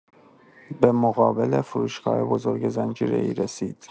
به مقابل فروشگاه بزرگ زنجیره‌ای رسید.